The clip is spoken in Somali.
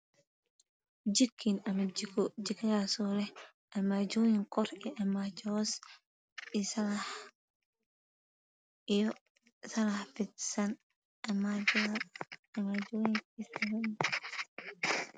Jikin ama jiko oo leh armaajada iyo fidsan armaajoonin kale